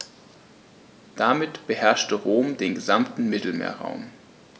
Damit beherrschte Rom den gesamten Mittelmeerraum.